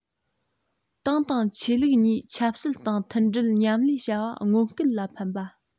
ཏང དང ཆོས ལུགས གཉིས ཆབ སྲིད སྟེང མཐུན སྒྲིལ མཉམ ལས བྱ བ སྔོན སྐུལ ལ ཕན པ དང